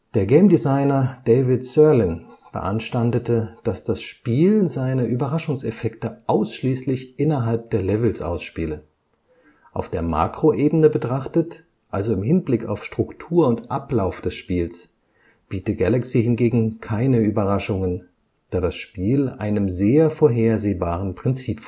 Der Game Designer David Sirlin beanstandete, dass das Spiel seine Überraschungseffekte ausschließlich innerhalb der Levels ausspiele. Auf der Makroebene betrachtet – also im Hinblick auf Struktur und Ablauf des Spiels – biete Galaxy hingegen keine Überraschungen, da das Spiel einem sehr vorhersehbaren Prinzip